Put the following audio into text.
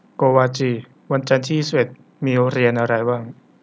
โกวาจีวันจันทร์ที่ยี่สิบเอ็ดมีเรียนอะไรบ้าง